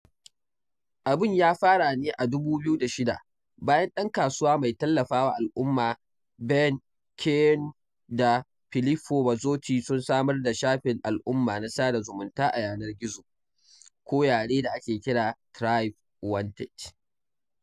Abun ya fara ne a 2006 bayan ɗan kasuwa mai tallafa wa al'umma, Ben Kkeene da Filippo Bozotti sun samar da shafin al'umma na sada zumunta a yanar gizo gozo ko 'yare' da ake kira 'TribeWanted'.